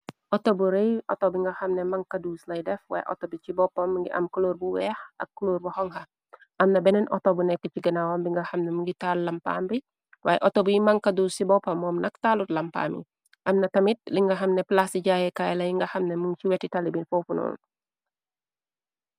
Auto bu rëy auto bi nga xamne mankaduus lay def waaye auto bi ci boppam ngi am clóor bu weex ak clóor bu honha amna benneen auto bu nekk ci ganawaom bi nga xamne m ngi taal lampaam bi waaye autobu yi mànkadouus ci boppa moom nak taalut lampaam i amna tamit li nga xam ne plaas i jaayekaay lay nga xamne mun ci weti talibin foopunoon.